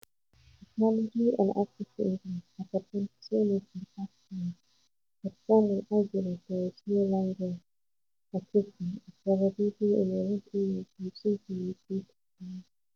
Technology and access to internet has advanced so much in the past years, that some will argue that there is no longer a question of whether people in remote areas will soon communicate online.